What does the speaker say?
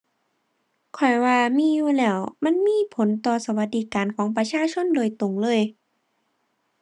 ข้อยว่ามีอยู่แล้ว มันมีผลต่อสวัสดิการของประชาชนโดยตรงเลย